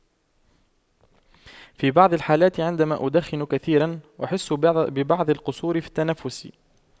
في بعض الحالات عندما أدخن كثيرا أحس بعض ببعض القصور في التنفس